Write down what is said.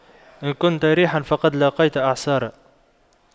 إن كنت ريحا فقد لاقيت إعصارا